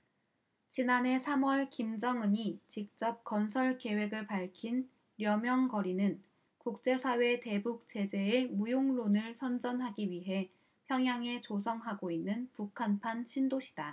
지난해 삼 월 김정은이 직접 건설 계획을 밝힌 려명거리는 국제사회 대북 제재의 무용론을 선전하기 위해 평양에 조성하고 있는 북한판 신도시다